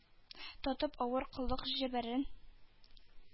Татып авыр коллык җәберен